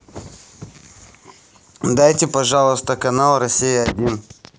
дайте пожалуйста канал россия один